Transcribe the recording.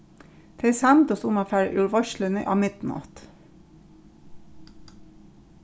tey samdust um at fara úr veitsluni á midnátt